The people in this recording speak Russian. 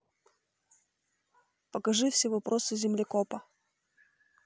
покажи все вопросы землекопа